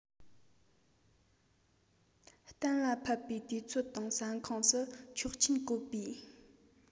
གཏན ལ ཕབ པའི དུས ཚོད དང ས ཁོངས སུ ཆོག མཆན བཀོད པའི